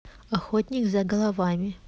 охотник за головами